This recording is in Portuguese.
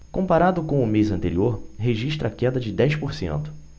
comparado com o mês anterior registra queda de dez por cento